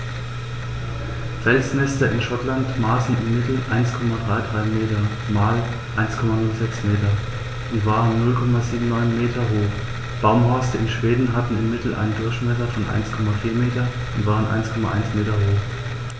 Felsnester in Schottland maßen im Mittel 1,33 m x 1,06 m und waren 0,79 m hoch, Baumhorste in Schweden hatten im Mittel einen Durchmesser von 1,4 m und waren 1,1 m hoch.